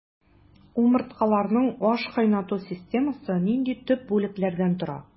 Умырткалыларның ашкайнату системасы нинди төп бүлекләрдән тора?